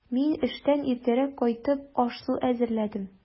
Мин, эштән иртәрәк кайтып, аш-су әзерләдем.